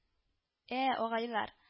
Ә агайлар